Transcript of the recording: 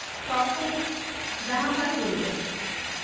তখন যাহা হয় করিও